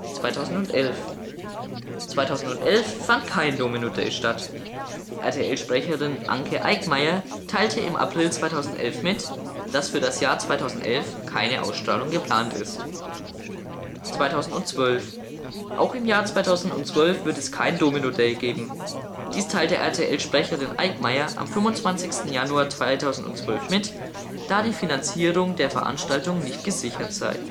2011 2011 fand kein Domino Day statt. RTL-Sprecherin Anke Eickmeyer teilte im April 2011 mit, dass für das Jahr 2011 keine Ausstrahlung geplant ist. 2012 Auch im Jahr 2012 wird kein Domino Day stattfinden. Dies teilte RTL-Sprecherin Eickmeyer am 25. Januar 2012 mit, da die Finanzierung der Veranstaltung nicht gesichert sei